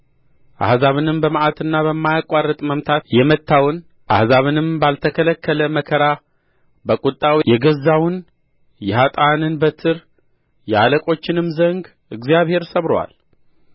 አሕዛብንም በመዓትና በማያቋርጥ መምታት የመታውን አሕዛብንም ባልተከለከለ መከራ በቍጣው የገዛውን የኀጥኣንን በትር የአለቆችንም ዘንግ እግዚአብሔር ሰብሮአል